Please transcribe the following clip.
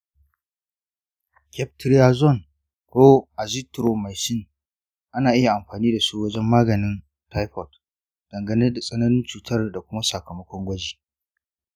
ceftriaxone ko azithromycin ana iya amfani da su wajen maganin taifot, dangane da tsananin cutar da kuma sakamakon gwaji.